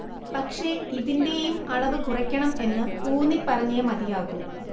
പക്ഷെ ഇതിന്റെയും അളവ് കുറക്കണം എന്ന് ഊന്നി പറഞ്ഞേ മതിയാകൂ